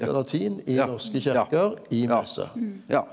ja ja ja ja ja.